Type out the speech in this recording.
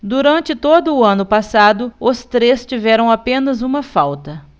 durante todo o ano passado os três tiveram apenas uma falta